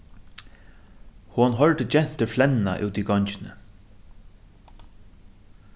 hon hoyrdi gentur flenna úti í gongini